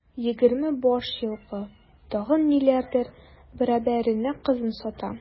Егерме баш елкы, тагын ниләрдер бәрабәренә кызын сата.